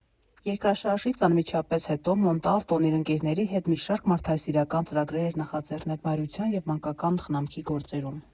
Երկրաշարժից անմիջապես հետո Մոնտալտոն իր ընկերների հետ մի շարք մարդասիրական ծրագրեր էր նախաձեռնել մայրության և մանկական խնամքի գործերում։